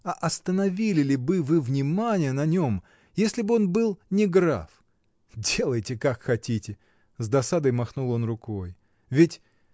— А остановили ли бы вы внимание на нем, если б он был не граф? Делайте, как хотите! — с досадой махнул он рукой. — Ведь.